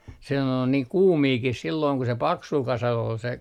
se ne oli niin kuumiakin silloin kun se paksulla kasalla oli se